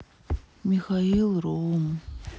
михаил ром